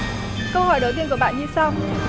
câu hỏi đầu tiên của bạn như sau